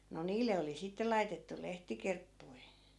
no niille oli sitten laitettu lehtikerppuja